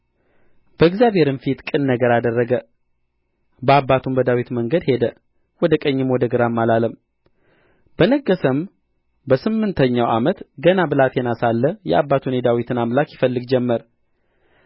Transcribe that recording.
በእግዚአብሔርም ፊት ቅን ነገር አደረገ በአባቱም በዳዊት መንገድ ሄደ ወደ ቀኝም ወደ ግራም አላለም በነገሠም በስምንተኛው ዓመት ገና ብላቴና ሳለ የአባቱን የዳዊትን አምላክ ይፈልግ ጀመር